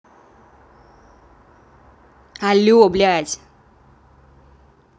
алле блять